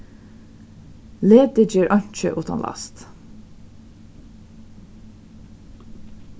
leti ger einki uttan last